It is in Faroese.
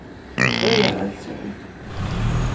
blíðar heilsur